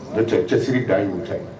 N'o tɛ cɛsiri dan y'u ta ye.